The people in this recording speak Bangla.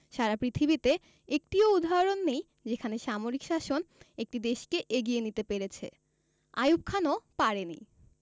সারা পৃথিবীতে একটিও উদাহরণ নেই যেখানে সামরিক শাসন একটি দেশকে এগিয়ে নিতে পেরেছে আইয়ুব খানও পারে নি